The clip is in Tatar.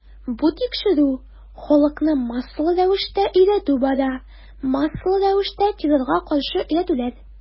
Бу тикшерү, халыкны массалы рәвештә өйрәтү бара, массалы рәвештә террорга каршы өйрәтүләр.